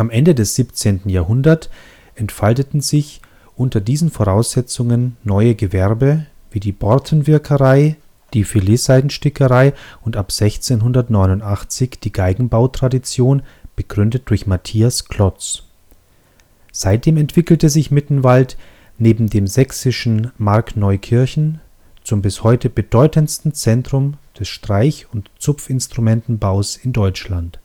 Ende des 17. Jahrhundert entfalteten sich unter diesen Voraussetzungen neue Gewerbe wie die Bortenwirkerei, die Filetseidenstickerei und ab 1689 die Geigenbautradition, begründet durch Matthias Klotz. Seitdem entwickelte sich Mittenwald neben dem sächsischen Markneukirchen zum bis heute bedeutendsten Zentrum des Streich - und Zupfinstrumentenbaus in Deutschland